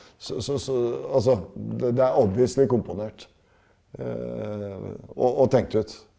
så så så altså det er komponert og og tenkt ut.